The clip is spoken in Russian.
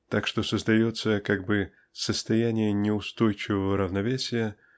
так что создается как бы состояние неустойчивого равновесия